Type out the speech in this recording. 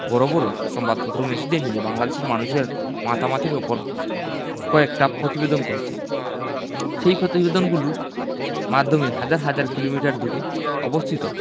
বড় বড় সংবাদপত্র মেসিদের নিয়ে বাংলাদেশের মানুষের মাতামাতির ওপর কয়েকটা প্রতিবেদন করেছে সেই প্রতিবেদনগুলোর মাধ্যমেই হাজার হাজার কিলোমিটার দূরে অবস্থিত